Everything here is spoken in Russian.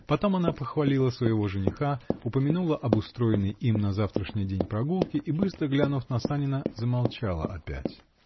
Потом она похвалила своего жениха, упомянула об устроенной им на завтрашний день прогулке и, быстро глянув на Санина, замолчала опять.